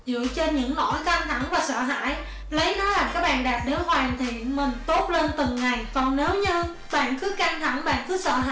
dựa trên những nỗi căng thẳng và sợ hãi lấy nó làm cái bàn đạp để hoàn thiện mình tốt lên từng ngày còn nếu như bạn cứ căng thẳng bạn cứ sợ hãi